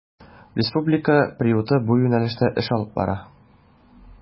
Республика приюты бу юнәлештә эш алып бара.